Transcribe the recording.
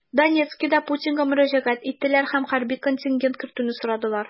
Донецкида Путинга мөрәҗәгать иттеләр һәм хәрби контингент кертүне сорадылар.